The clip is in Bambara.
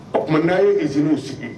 O tuma n'a ye usines sigi